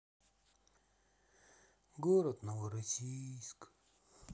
город новороссийск